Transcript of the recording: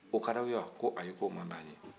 o ka d'aw ye wa ko ayi o man d'an ye